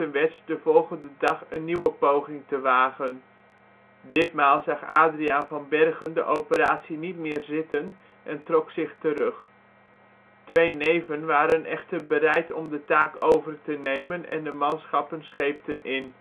werd de volgende dag een nieuwe poging te wagen. Ditmaal zag Adriaen van Bergen de operatie niet meer zitten en trok zich terug. Twee neven waren echter bereid om de taak over te nemen en de manschappen scheepten in